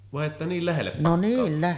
vai että niin lähelle pakkautui